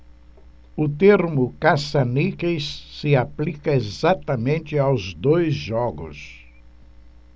o termo caça-níqueis se aplica exatamente aos dois jogos